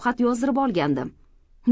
xat yozdirib olgandim